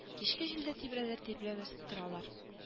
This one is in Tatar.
Кичке җилдә тибрәлер-тирбләмәс торалар